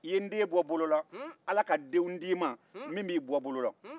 i ye n den bɔ bolola ala ka denw d'i ma min b'i bɔ bolola